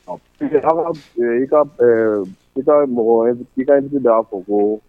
I ka i mɔgɔ i ka n fɔ ko